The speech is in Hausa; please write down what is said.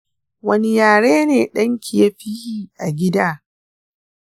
wani yare ne danki yafi yi a gida?